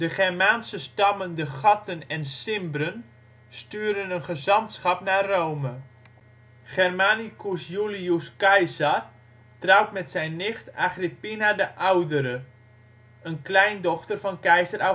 Germaanse stammen de Chatten en Cimbren sturen een gezantschap naar Rome. Germanicus Julius Caesar trouwt met zijn nicht Agrippina de Oudere, een kleindochter van keizer Augustus